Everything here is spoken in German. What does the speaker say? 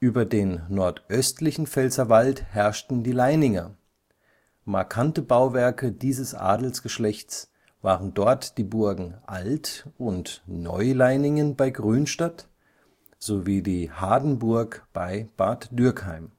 Über den nordöstlichen Pfälzerwald herrschten die Leininger; markante Bauwerke dieses Adelsgeschlechts waren dort die Burgen Alt - und Neuleiningen bei Grünstadt sowie die Hardenburg bei Bad Dürkheim